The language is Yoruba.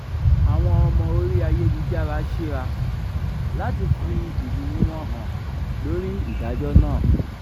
Àwọn ọmọ orí ayélujára ṣíra láti fi ìdùnnúu wọn hàn lóríi ìdájọ́ náà.